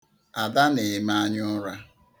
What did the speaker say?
Ada na-eme anyaụra.